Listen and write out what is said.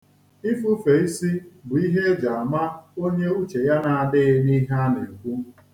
Ifufe isi bu ̣ihe e ji ama onye uche ya na-adịghị n'ihe a na-ekwu.